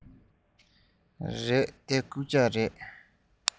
རེད འདི རྐུབ བཀྱག རེད